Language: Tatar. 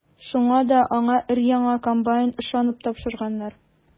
Шуңа да аңа өр-яңа комбайн ышанып тапшырганнар.